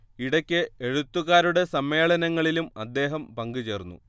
ഇടക്ക് എഴുത്തുകാരുടെ സമ്മേളനങ്ങളിലും അദ്ദേഹം പങ്കുചേർന്നു